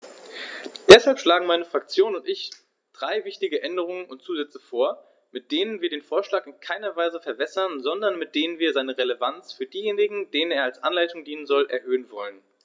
Deshalb schlagen meine Fraktion und ich drei wichtige Änderungen und Zusätze vor, mit denen wir den Vorschlag in keiner Weise verwässern, sondern mit denen wir seine Relevanz für diejenigen, denen er als Anleitung dienen soll, erhöhen wollen.